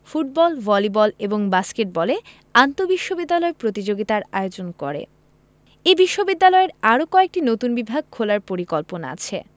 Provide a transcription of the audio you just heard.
football volleyball এবং বাস্কেটবলে আন্তঃবিশ্ববিদ্যালয় প্রতিযোগিতার আয়োজন করে এই বিশ্ববিদ্যালয়ের আরও কয়েকটি নতুন বিভাগ খোলার পরিকল্পনা আছে